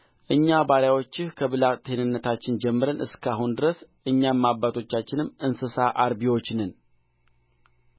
ዮሴፍም ሰረገላውን አዘጋጀ አባቱንም እስራኤልን ሊገናኘው ወደ ጌሤም ወጣ ባየውም ጊዜ በአንገቱ ላይ ወደቀ